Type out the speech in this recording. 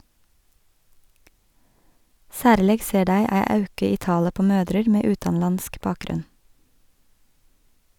Særleg ser dei ei auke i talet på mødrer med utanlandsk bakgrunn.